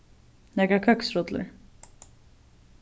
nakrar køksrullur